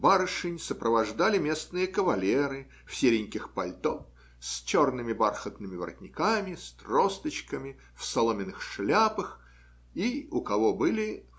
Барышень сопровождали местные кавалеры в сереньких пальто, с черными бархатными воротниками, с тросточками, в соломенных шляпах и у кого были